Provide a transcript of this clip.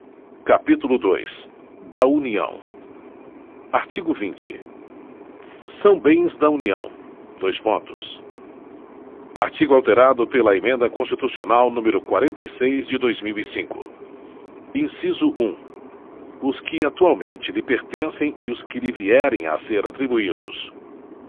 capitulo dois da união artigo vinte são bens da união dois pontos artigo alterado pela emenda constitucional número quarenta e seis de dois mil e cinco inciso um os que atualmente lhe pertencem e os que lhe vierem a ser atribuídos